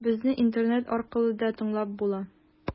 Безне интернет аркылы да тыңлап була.